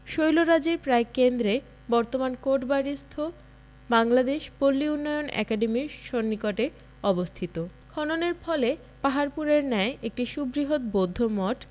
শৈলরাজির প্রায় কেন্দ্রে বর্তমান কোটবাড়িস্থ বাংলাদেশ পল্লী উন্নয়ন অ্যাকাডেমির সন্নিকটে অবস্থিত খননের ফলে পাহাড়পুর এর ন্যায় একটি সুবৃহৎ বৌদ্ধ মঠ